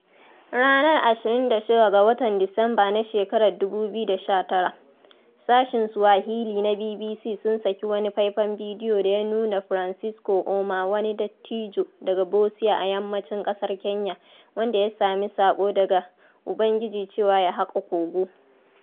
Ranar 26 ga watan Disamba na shekarar 2019, sashen Swahili na BBC sun saki wani faifan bidiyo da ya nuna Francisco Ouma, wani dattijo daga Busia a yammacin ƙasar Kenya, wanda ya sami saƙo daga ubangiji cewa ya haƙa kogo.